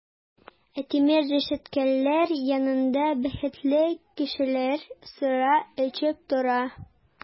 Ә тимер рәшәткәләр янында бәхетле кешеләр сыра эчеп тора!